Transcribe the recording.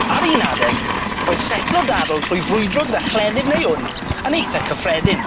Ar un adeg, roedd setlo dadl trwy frwydro gyda chleddyf neu wn yn eitha cyffredin.